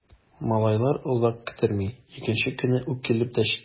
Малайлар озак көттерми— икенче көнне үк килеп тә җитә.